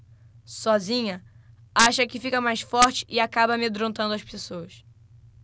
sozinha acha que fica mais forte e acaba amedrontando as pessoas